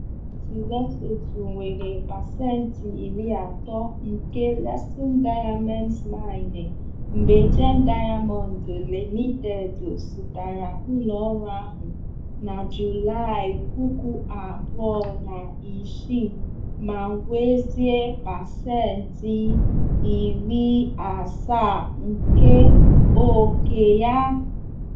Gọọmenti Lesotho nwere pasenti 30 nke Letšeng Diamonds Mine, mgbe Gem Diamonds Limited zụtara ụlọọrụ ahụ na Julaị 2006 ma nwezie pasenti 70 nke ókè ya.